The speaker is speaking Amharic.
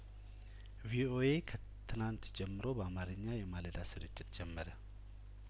ቪኦኤ ከትናንት ጀምሮ በአማርኛ የማለዳ ስርጭት ጀመረ